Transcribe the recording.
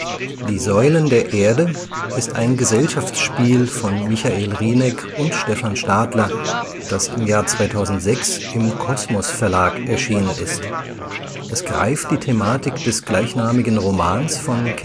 Die Säulen der Erde ist ein Gesellschaftsspiel von Michael Rieneck und Stefan Stadler, das im Jahr 2006 im Kosmos-Verlag erschienen ist. Es greift die Thematik des gleichnamigen Romans von